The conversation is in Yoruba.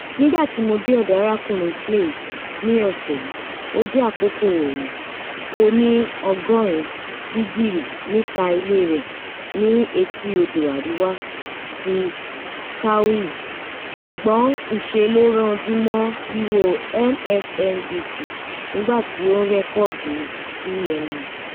Nigba ti mo de ọdọ Arakunrin Fleiss ni ọsẹ yii, o jẹ akoko oorun oni 80 digiri nita ile rẹ ni eti odo ariwa ti Kauai, ṣugbọn n ṣe lo ranju mọ wiwo MSNBC nigba ti o n rẹkọdu CNN.